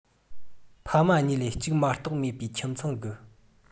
ཕ མ གཉིས ལས གཅིག མ གཏོགས མེད པའི ཁྱིམ ཚང གི